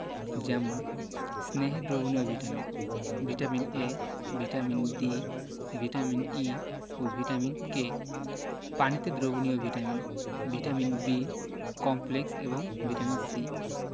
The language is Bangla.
যেমন স্নেহে দ্রবণীয় vitamin vitamin A vitamin D vitamin E ও ভিটামিন K পানিতে দ্রবণীয় ভিটামিন ভিটামিন B কমপ্লেক্স এবং ভিটামিন C